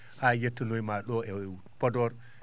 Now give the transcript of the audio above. haa yettonoyo ma ?o e Podor